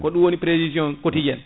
ko ɗum woni prévision quotidienne